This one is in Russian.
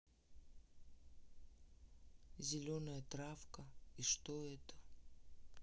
зеленая травка и что это